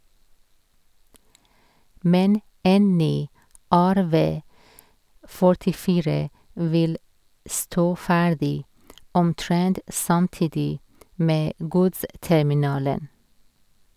Men en ny RV 44 vil stå ferdig omtrent samtidig med godsterminalen.